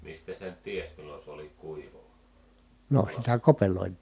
mistä sen tiesi milloin se oli kuivaa valmista